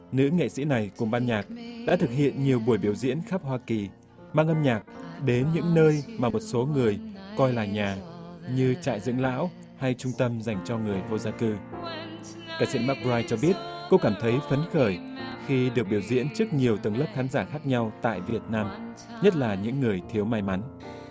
nữ nghệ sĩ này cùng ban nhạc đã thực hiện nhiều buổi biểu diễn khắp hoa kỳ mang âm nhạc đến những nơi mà một số người coi là nhà như trại dưỡng lão hay trung tâm dành cho người vô gia cư ca sĩ mắc bờ roai cho biết cô cảm thấy phấn khởi khi được biểu diễn trước nhiều tầng lớp khán giả khác nhau tại việt nam nhất là những người thiếu may mắn